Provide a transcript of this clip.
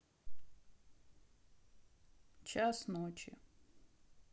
час ночи